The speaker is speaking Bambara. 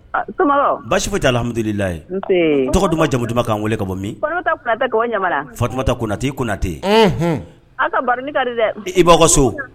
Basi ko alihamudulilila tɔgɔ duman ma jamumujuguba'an weele ka bɔnatɛti konatɛ dɛ i so